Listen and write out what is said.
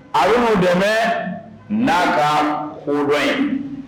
A y'' dɛmɛ n'a ka hdɔn ye